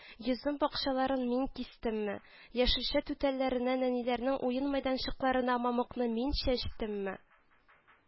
Йөзем бакчаларын мин кистемме, яшелчә түтәлләренә, нәниләрнең уен мәйданчыкларына мамыкны мин чәчтемме